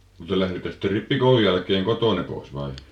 no te lähditte sitten rippikoulun jälkeen kotoanne pois vai